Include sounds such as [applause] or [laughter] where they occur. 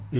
[hesitation] [hesitation]